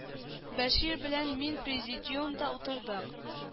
Бәшир белән мин президиумда утырдык